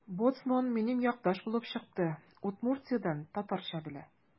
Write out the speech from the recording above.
Боцман минем якташ булып чыкты: Удмуртиядән – татарча белә.